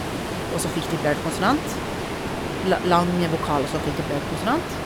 Og så fikk de blaut konsonant la lang vokal, og så fikk de blaut konsonant.